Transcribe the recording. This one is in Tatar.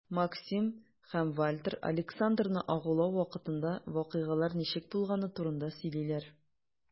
Максим һәм Вальтер Александрны агулау вакытында вакыйгалар ничек булганы турында сөйлиләр.